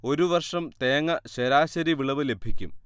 ഒരു വർഷം തേങ്ങ ശരാശരി വിളവ് ലഭിക്കും